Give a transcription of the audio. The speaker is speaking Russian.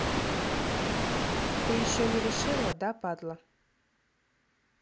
ты еще не решила да падла